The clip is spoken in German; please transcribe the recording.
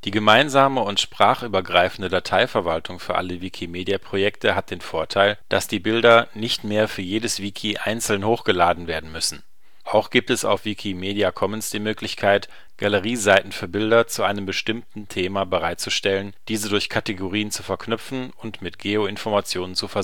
gemeinsame und sprachübergreifende Dateiverwaltung für alle Wikimedia-Projekte hat den Vorteil, dass die Bilder nicht mehr für jedes Wiki einzeln hochgeladen werden müssen. Auch gibt es auf Wikimedia Commons die Möglichkeit, Galerieseiten für Bilder zu einem bestimmten Thema bereitzustellen, diese durch Kategorien zu verknüpfen und mit Geoinformationen